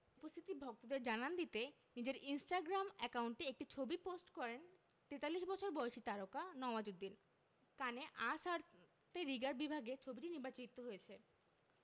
উপস্থিতি ভক্তদের জানান দিতে নিজের ইনস্টাগ্রাম অ্যাকাউন্টে একটি ছবি পোস্ট করেন ৪৩ বছর বয়সী তারকা নওয়াজুদ্দিন কানে আঁ সারতে রিগার বিভাগে ছবিটি নির্বাচিত হয়েছে